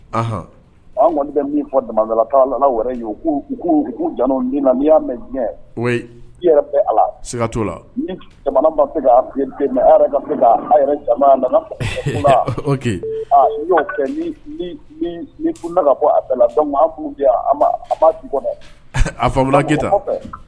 An kɔni bɛ min fɔ jamanala ye'u jan min na nii y'a mɛn diɲɛ yɛrɛ bɛ ala s la jamana ma k'o fɛ kun fɔ bɛɛ la dɔn kun kɔnɔ a fa ke